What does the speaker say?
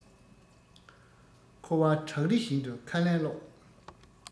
འཁོར བ བྲག རི བཞིན དུ ཁ ལན སློག